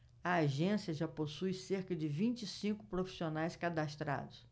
a agência já possui cerca de vinte e cinco profissionais cadastrados